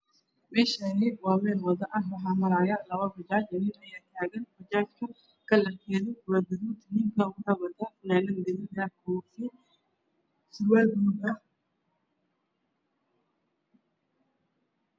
Meeshaani waa meel wado ah waxaa maraayo labo bajaaj. Mid ayaa taagan kalarkeedu waa gaduud ninka wado waxuu wataa fanaanad gaduud ah iyo koofi surwaalna wuu wataa.